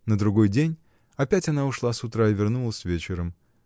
На другой день опять она ушла с утра и вернулась вечером.